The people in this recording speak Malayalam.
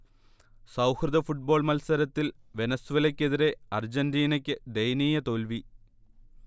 സൗഹൃദ ഫുട്ബോൾ മത്സരത്തിൽ വെനസ്വലക്കെതിരെ അർജന്റീനക്ക് ദയനീയ തോൽവി